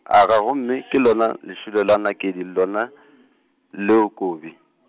agaa gomme ke lona lesolo la Nakedi lona, leo Kobi?